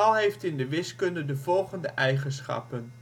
heeft in de wiskunde de volgende eigenschappen